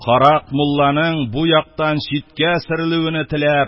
«карак мулланың бу яктан читкә сөрелүене теләп»